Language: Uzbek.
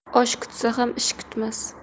osh kutsa ham ish kutmas